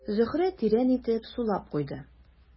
Зөһрә тирән итеп сулап куйды.